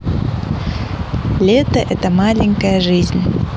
лето это маленькая жизнь